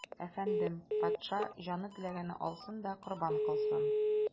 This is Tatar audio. Әфәндем, патша, җаны теләгәнне алсын да корбан кылсын.